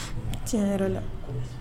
Tiɲɛ yɛrɛ la